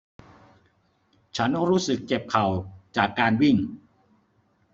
ฉันรู้สึกเจ็บเข่าจากการวิ่ง